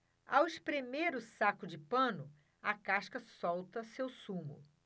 ao espremer o saco de pano a casca solta seu sumo